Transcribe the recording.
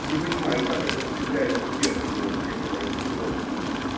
Не понимаю, как это ухитряются бедствовать некоторые художники.